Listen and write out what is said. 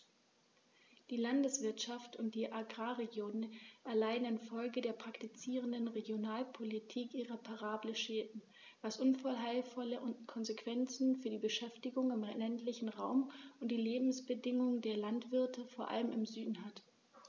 Die Landwirtschaft und die Agrarregionen erleiden infolge der praktizierten Regionalpolitik irreparable Schäden, was unheilvolle Konsequenzen für die Beschäftigung im ländlichen Raum und die Lebensbedingungen der Landwirte vor allem im Süden hat.